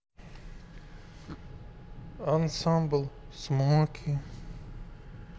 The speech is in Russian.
ансамбль смоки